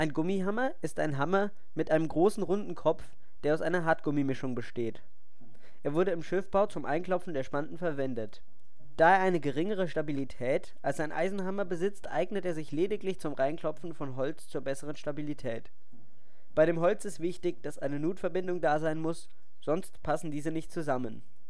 Gummihammer ist ein Hammer mit einem großen, runden Kopf, der aus einer Hartgummimischung besteht. Er wurde im Schiffbau zum Einklopfen der Spanten verwendet. Da er eine geringere Stabilität als ein Eisenhammer besitzt, eignet er sich lediglich zum Reinklopfen von Holz zur besseren Stabilität. Bei dem Holz ist wichtig, dass eine Nutverbindung da sein muss, sonst passen diese nicht zusammen